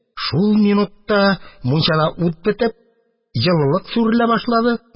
Шул минуттан мунчада ут бетеп, җылылык сүрелә башлады.